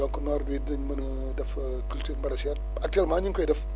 donc noor bi dinañ mën a def culture maraichère actuellement ñu ngi koy def